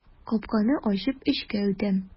Капканы ачып эчкә үтәм.